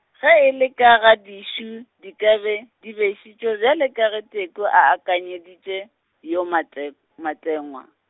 ge e le ka ga dišu, di ka be, di bešitšwe bjale ka ge Teku a akanyeditše, yo Mate-, Matengwa.